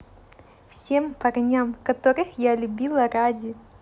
всем парням которых я любила ради